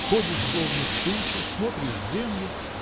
ходишь словно туча, смотришь в землю.